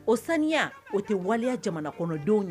O saniya o tɛ waliya jamana kɔnɔdenw